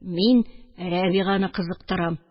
Мин Рәбиганы кызыктырам